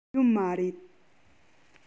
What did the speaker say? ཡོད མ རེད